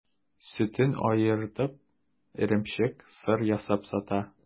Сөтен аертып, эремчек, сыр ясап сата.